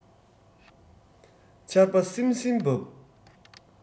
ཆར པ བསིམ བསིམ འབབས